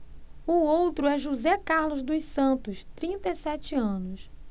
o outro é josé carlos dos santos trinta e sete anos